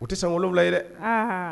U tɛ san wolowula ye dɛ